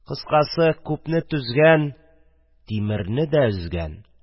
Кыскасы, күпне түзгән – тимерне дә өзгән...